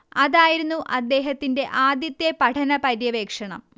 അതായിരുന്നു അദ്ദേഹത്തിന്റെ ആദ്യത്തെ പഠന പര്യവേക്ഷണം